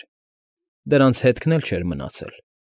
Էր, դրանց հետքն էլ չէր մնացել։